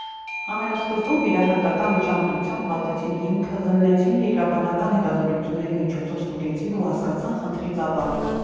Ամենասկզբում վիրահատական միջամտությամբ բացեցին հիմքը, զննեցին, երկրաբանական հետազոտությունների միջոցով ստուգեցին ու հասկացան խնդրի ծավալը։